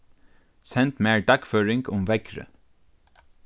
send mær dagføring um veðrið